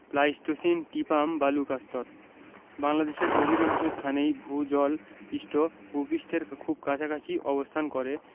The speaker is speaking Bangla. প্লাইসটোসিন টিপাম বালুকাস্তর বাংলাদেশের অধিকাংশ স্থানেই ভূ জল পৃষ্ঠ ভূ পৃষ্ঠের খুব কাছাকাছি অবস্থান করে